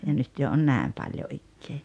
ja nyt jo on näin paljon ikää